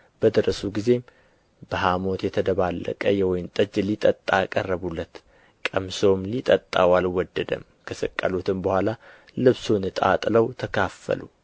በደረሱ ጊዜም በሐሞት የተደባለቀ የወይን ጠጅ ሊጠጣ አቀረቡለት ቀምሶም ሊጠጣው አልወደደም ከሰቀሉትም በኋላ ልብሱን ዕጣ ጥለው ተካፈሉ